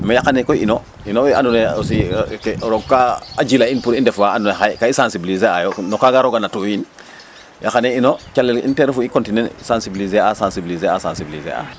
mais yaqanee ino ino we andoona yee aussi roog kaa jila in pour i ndef wa andoona yee ka sensibliser a yo no kaaga roog a natu'u in yaqanee ino calel in ten refu ye i continuer sensibliser sensibliser